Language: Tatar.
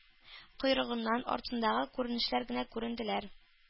Койрыгыннан артындагы күренешләр генә күренделәр.